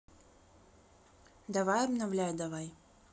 давай обновляй давай